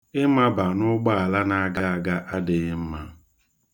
Ịmaba n'ụgbọala na-aga aga adịghi mma.